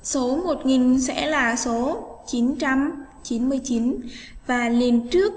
số sẽ là số và liền trước